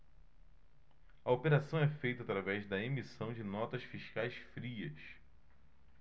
a operação é feita através da emissão de notas fiscais frias